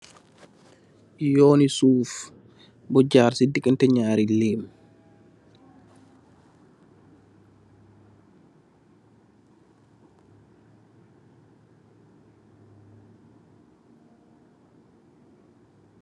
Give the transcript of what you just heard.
Yooni suuf bu Jaar si digente ñarri leem.